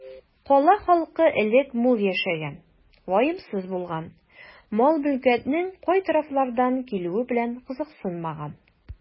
Кала халкы элек мул яшәгән, ваемсыз булган, мал-мөлкәтнең кай тарафлардан килүе белән кызыксынмаган.